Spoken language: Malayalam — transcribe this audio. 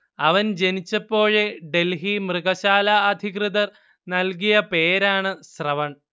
അവൻ ജനിച്ചപ്പോഴേ ഡൽഹി മൃഗശാലാ അധികൃതർ നൽകിയ പേരാണ് ശ്രവൺ